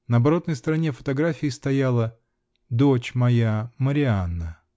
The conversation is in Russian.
На оборотной стороне фотографии стояло: "Дочь моя, Марианна".